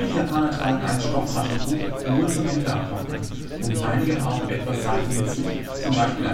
Japaner tragen ein Stofftaschentuch, nur zum Händeabtrocknen, und einige auch etwas Seife mit sich, zum Beispiel